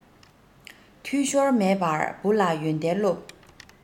འཐུས ཤོར མེད པར བུ ལ ཡོན ཏན སློབས